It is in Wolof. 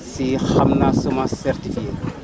si xam naa semence certifiée